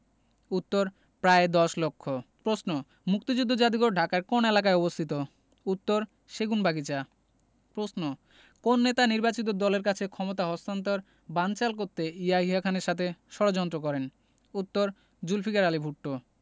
উত্তর প্রায় দশ লক্ষ প্রশ্ন মুক্তিযুদ্ধ যাদুঘর ঢাকার কোন এলাকায় অবস্থিত উত্তরঃ সেগুনবাগিচা প্রশ্ন কোন নেতা নির্বাচিত দলের কাছে ক্ষমতা হস্তান্তর বানচাল করতে ইয়াহিয়া খানের সাথে ষড়যন্ত্র করেন উত্তরঃ জুলফিকার আলী ভুট্ট